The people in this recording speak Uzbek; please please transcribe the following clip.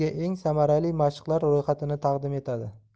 eng samarali mashqlar ro'yxatini taqdim etadi